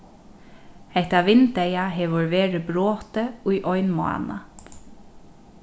hetta vindeygað hevur verið brotið í ein mánað